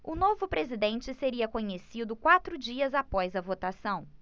o novo presidente seria conhecido quatro dias após a votação